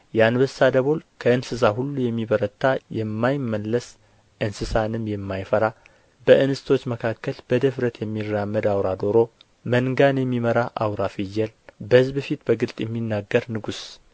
የአንበሳ ደቦል ከእንስሳ ሁሉ የሚበረታ የማይመለስ እንስሳንም የማይፈራ በእንስቶች መካከል በድፍረት የሚራመድ አውራ ዶሮ መንጋን የምመራ አውራ ፍየል በሕዝብ ፊት በግልጥ የሚናገር ንጉሥ